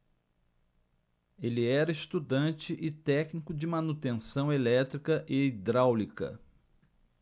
ele era estudante e técnico de manutenção elétrica e hidráulica